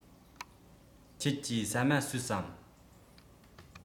ཁྱེད ཀྱིས ཟ མ ཟོས སམ